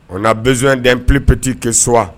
O na denmisɛnwden pppi kɛ so wa